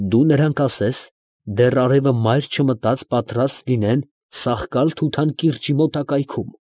Դու նրան կասես, դեռ արևը մայր չմտած պատրաստ լինեն Սախկալ֊Թութան կիրճի մոտակայքում։ ֊